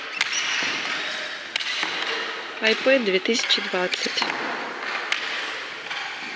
ipad две тысячи двадцать